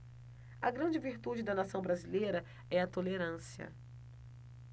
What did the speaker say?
a grande virtude da nação brasileira é a tolerância